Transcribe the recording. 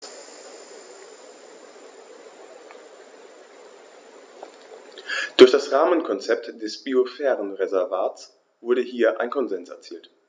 Durch das Rahmenkonzept des Biosphärenreservates wurde hier ein Konsens erzielt.